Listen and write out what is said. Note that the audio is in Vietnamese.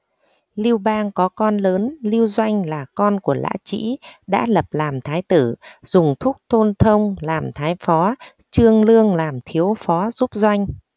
lưu bang có con lớn lưu doanh là con của lã trĩ đã lập làm thái tử dùng thúc tôn thông làm thái phó trương lương làm thiếu phó giúp doanh